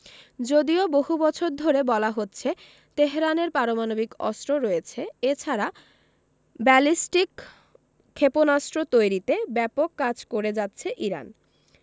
যদিও বহু বছর ধরে বলা হচ্ছে তেহরানের পারমাণবিক অস্ত্র রয়েছে এ ছাড়া ব্যালিস্টিক ক্ষেপণাস্ত্র তৈরিতে ব্যাপক কাজ করে যাচ্ছে ইরান